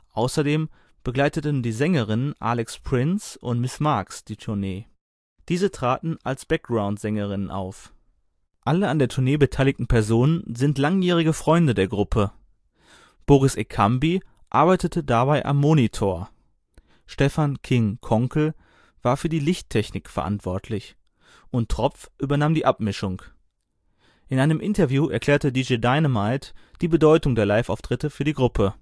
Außerdem begleiteten die Sängerinnen Alex Prince und Miss Marx die Tournee. Diese traten als Backgroundsängerinnen auf. Alle an der Tournee beteiligten Personen sind langjährige Freunde der Gruppe. Boris Ekambi arbeitete dabei am Monitor, Stefan „ King “Konkel war für die Lichttechnik verantwortlich und Tropf übernahm die Abmischung. In einem Interview erklärte DJ Dynamite die Bedeutung der Live-Auftritte für die Gruppe